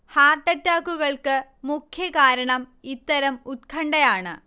heart അറ്റാക്കുകൾക്ക് മുഖ്യ കാരണം ഇത്തരം ഉത്കണഠയാണ്